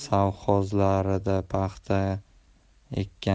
sovxozlarida paxta ekgan